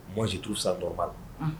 Moi, je trouve ça normal unhun